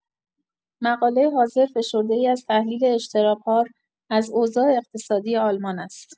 مقاله حاضر فشرده‌ای از تحلیل اشتراب‌هار از اوضاع اقتصادی آلمان است.